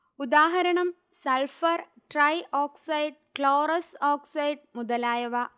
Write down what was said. ഉദാഹരണം sulphur trioxide chlorous oxide മുതലായവ